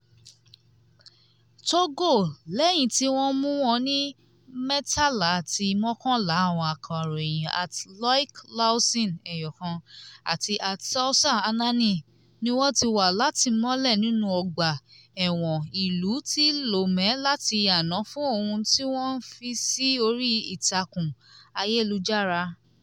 #Togo: lẹ́yìn tí wọ́n mú wọn ní 13/11,àwọn akọ̀ròyìn @loiclawson1 ati @SossouAnani ni wọ́n ti wà látìmọ́lé nínú ọgbà ẹ̀wọ̀n ìlú ti Lomé láti àná fún ohun tí wọ́n fi sì orí ìtàkùn ayélujára.